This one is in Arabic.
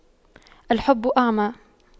الحب أعمى